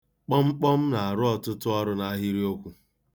Kpọmkpọm na-arụ ọtụtụ ọrụ n'ahịrịokwu.